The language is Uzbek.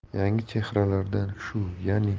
yangi chehralardan shu ya'ni